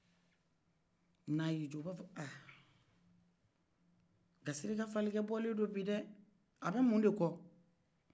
n' a y'i jɔ o b'a fɔ ko dasiri ka falikɛ bolen do bidɛ a bɛ mu de kɔ